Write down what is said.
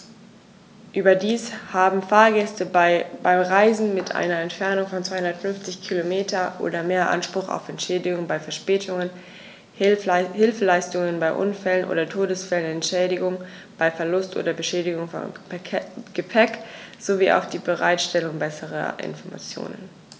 Überdies haben Fahrgäste bei Reisen mit einer Entfernung von 250 km oder mehr Anspruch auf Entschädigung bei Verspätungen, Hilfeleistung bei Unfällen oder Todesfällen, Entschädigung bei Verlust oder Beschädigung von Gepäck, sowie auf die Bereitstellung besserer Informationen.